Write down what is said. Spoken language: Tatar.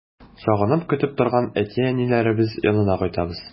Сагынып көтеп торган әти-әниләребез янына кайтабыз.